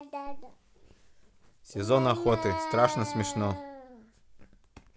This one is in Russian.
сезон охоты страшно смешно